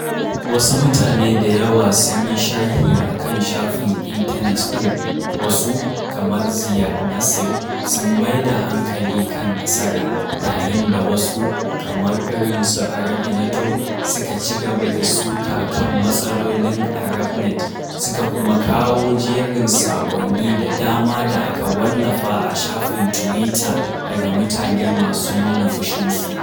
Wasu mutane da yawa sun yi sharhi a kan shafin intanet ɗin: wasu, kamar Ziad Nasser sun maida hankali kan nasara, yayin da wasu, kamar irinsu Arabinator suka ci gaba da suka kan matsalolin Arabnet, suka kuma kawo jerin saƙonni da dama da aka wallafa a shafin tuwita daga mutane masu nuna fushinsu.